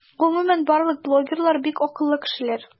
Гомумән барлык блогерлар - бик акыллы кешеләр.